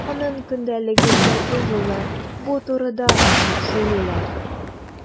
Аның көндәлегендәге юллар бу турыда ачык сөйлиләр.